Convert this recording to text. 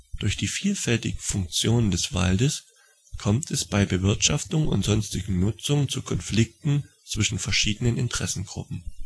Durch die vielfältigen Funktionen des Waldes kommt es bei Bewirtschaftung und sonstigen Nutzungen zu Konflikten zwischen verschiedenen Interessengruppen